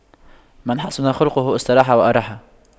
من حسن خُلُقُه استراح وأراح